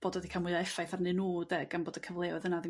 bod o 'di ca'l mwy o effaith arnyn nhw 'de gan bod y cyfleoedd yna ddim